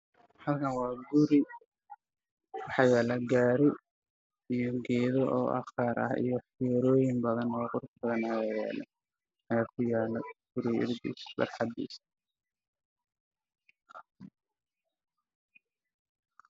Halkaan waa guri dabaq ah waxaa horyaalla gaaray caddaan ah geeda cagaar ayaa ka baxay geeska